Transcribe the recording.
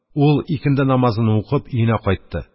Ул, икенде намазыны укып, өенә кайтты.